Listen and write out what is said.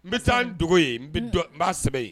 N bɛ taa n dogo ye n n baa sɛbɛn ye